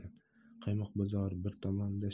qaymoq bozor bir tomonda